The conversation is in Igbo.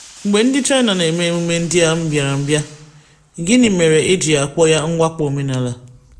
Mgbe ndị China na-eme emume ndị mbịarambịa, gịnị mere e ji akpọ ya mwakpo omenala?